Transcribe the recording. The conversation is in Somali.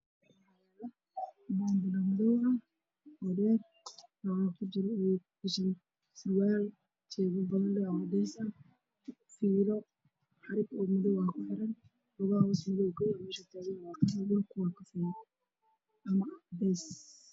Meeshaan waxaa yaalo boonbalo madow oo dheer waxaa kujiro surwaal jeebab badan leh oo cadeys ah xarig ayaa kuxiran madow ah, lugaha hoostiisa madow meesha uu yaalana waa madow, dhulkana waa kafay iyo cadeys.